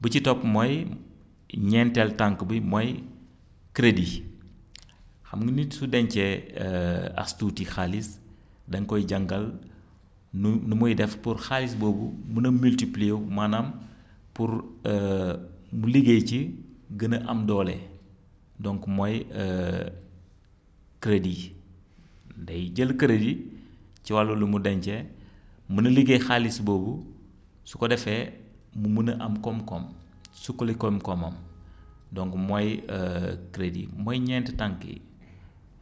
bi ci topp mooy ñenteelu tànk bi mooy crédit xam nga nit su dencee as tuuti xaalis dañu koy jàngal nu nu muy def pour xaalis boobu mën a multiplié wu maanaam pour mu liggéey ci gën a am doole donc mooy crédit day jël crédit ci wàllu lu mu dencee mën a liggéey xaalis boobu su ko defe mu mën a am kom-kom suqali kom-komam donc mooy crédit bi mooy ñenti tànk yi